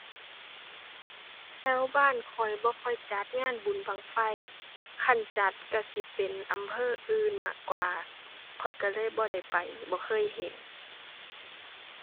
แถวบ้านข้อยบ่ค่อยจัดงานบุญบั้งไฟ คันจัดก็สิเป็นอำเภออื่นมากกว่า ข้อยก็เลยบ่ได้ไป บ่เคยเห็น